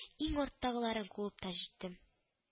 Иң арттагыларын куып та җиттем